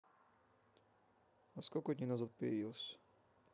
а сколько дней назад появился